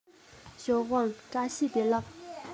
ཞའོ ཝང བཀྲ ཤིས བདེ ལེགས